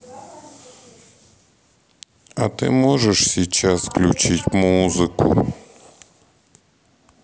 а ты можешь сейчас включить музыку